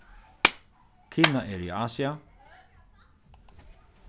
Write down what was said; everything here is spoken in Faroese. kina er í asia